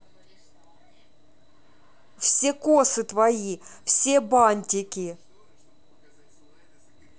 все косы твои все бантики